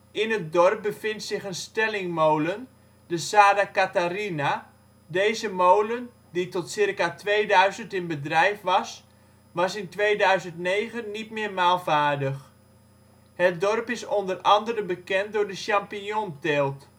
In het dorp bevindt zich een stellingmolen, de Sara Catharina. Deze molen die tot ca. 2000 in bedrijf was, was in 2009 niet meer maalvaardig. Het dorp is onder andere bekend door de champignonteelt